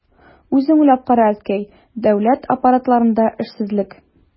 Үзең уйлап кара, әткәй, дәүләт аппаратларында эшсезлек...